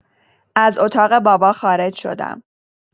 از اتاق بابا خارج شدم.